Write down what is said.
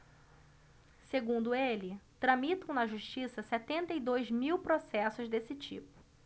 segundo ele tramitam na justiça setenta e dois mil processos desse tipo